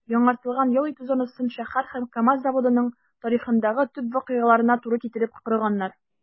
Яңартылган ял итү зонасын шәһәр һәм КАМАЗ заводының тарихындагы төп вакыйгаларына туры китереп корганнар.